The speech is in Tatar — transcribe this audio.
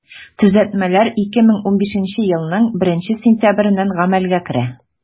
Төзәтмәләр 2015 елның 1 сентябреннән гамәлгә керә.